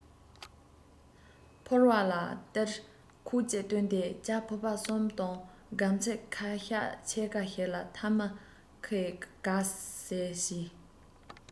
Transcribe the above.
ཕོར བ ལ སྟར ཁོག ཅིག བཏོན ཏེ ཇ ཕོར པ གསུམ བཏུངས སྒམ ཚིག ཁ བཤགས ཕྱེད ཁ ཞིག ལ ཐ མ ཁའི གང ཟེ བྱས